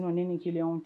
Ni kelen